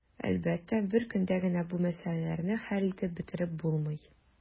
Әлбәттә, бер көндә генә бу мәсьәләләрне хәл итеп бетереп булмый.